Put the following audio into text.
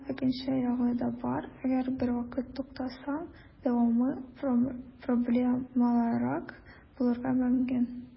Әмма икенче ягы да бар - әгәр бервакыт туктасаң, дәвамы проблемалырак булырга мөмкин.